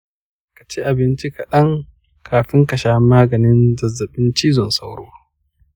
ka ci abinci kaɗan kafin ka sha maganin zazzaɓin cizon sauro.